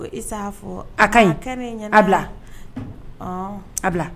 I sa fɔ, a kaɲi, a kɛ ne ɲɛna, a bila, a bila